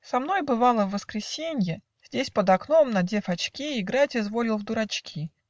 Со мной, бывало, в воскресенье, Здесь под окном, надев очки, Играть изволил в дурачки.